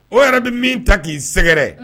O yɛrɛ bɛ min ta k'i sɛgɛrɛ